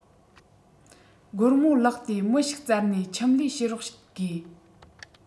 སྒོར མོ བརླག ཏེ མི ཞིག བཙལ ནས ཁྱིམ ལས བྱེད རོགས དགོས